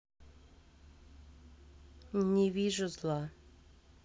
не вижу зла